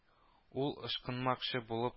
Ул ычкынмакчы булып